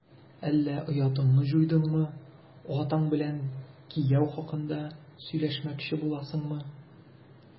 Әллә оятыңны җуйдыңмы, атаң белән кияү хакында сөйләшмәкче буласыңмы? ..